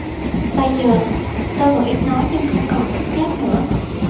bây giờ tôi vẫn ít nói nhưng không còn nhút nhát nữa